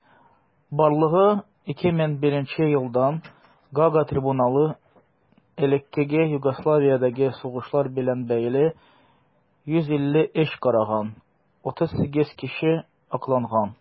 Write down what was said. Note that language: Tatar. Барлыгы 2001 елдан Гаага трибуналы элеккеге Югославиядәге сугышлар белән бәйле 150 эш караган; 38 кеше акланган.